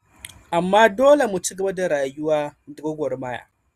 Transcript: Amma dole mu cigaba da rayuwa da gwagwarmaya.”